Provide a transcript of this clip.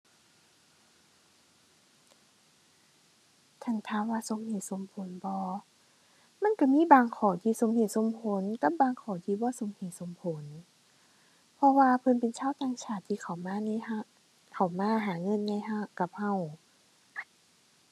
ถ้าหั้นถามว่าสมเหตุสมผลบ่ มันก็มีบางข้อที่สมเหตุสมผลกับบางข้อที่บ่สมเหตุสมผล เพราะว่าเพิ่นเป็นชาวต่างชาติที่เข้ามาในฮะ เข้ามาหาเงินในฮะ กับก็